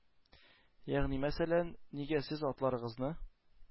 Ягъни мәсәлән, нигә сез атларыгызны